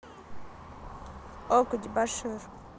okko дебошир